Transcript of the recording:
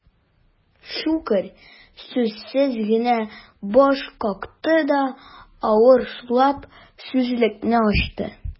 Щукарь сүзсез генә баш какты да, авыр сулап сүзлекне ачты.